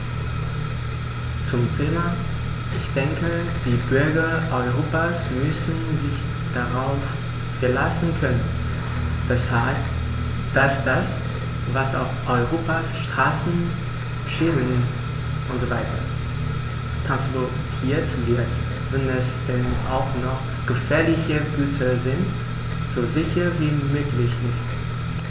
Zum Thema: Ich denke, die Bürger Europas müssen sich darauf verlassen können, dass das, was auf Europas Straßen, Schienen usw. transportiert wird, wenn es denn auch noch gefährliche Güter sind, so sicher wie möglich ist.